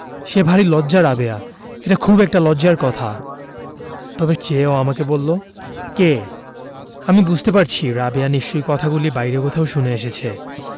সে ভারী লজ্জা রাবেয়া এটা খুব একটা লজ্জার কথা তবে যে ও আমাকে বললো কে আমি বুঝতে পারছি রাবেয়া নিশ্চয়ই কথাগুলি বাইরে কোথাও শুনে এসেছে